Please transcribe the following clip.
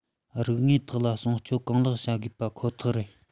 རིག དངོས དག ལ སྲུང སྐྱོབ གང ལེགས བྱ དགོས པ ཁོ ཐག རེད